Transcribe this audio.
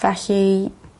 Felly